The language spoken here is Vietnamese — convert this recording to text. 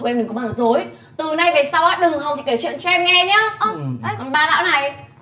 thôi em đừng có mà nói dối từ nay về sau á đừng hòng chị kể chuyện cho em nghe nhớ còn ba lão này